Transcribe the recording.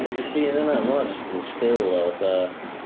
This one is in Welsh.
Be 'di llun yna? Mae hwnna jyst yn still o fatha...